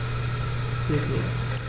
Hilf mir!